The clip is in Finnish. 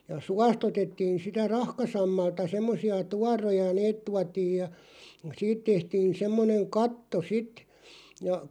ja suosta otettiin sitä rahkasammalta semmoisia tuoroja ne tuotiin ja siitä tehtiin semmoinen katto sitten ja